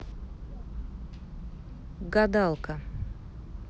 гадалка